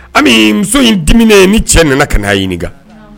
Muso in dimina ni cɛ nana ka na'a ɲini